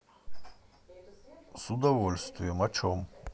с удовольствием о чем